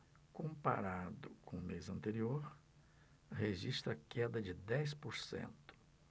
comparado com o mês anterior registra queda de dez por cento